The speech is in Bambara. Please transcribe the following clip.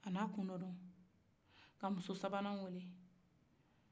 a ye kun ladon ka musosabana wele